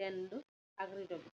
yerre wou konkou